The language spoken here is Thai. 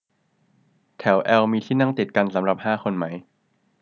แถวแอลมีที่นั่งติดกันสำหรับห้าคนมั้ย